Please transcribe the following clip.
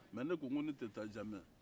mɛ ne ko ne tɛ taa zamɛ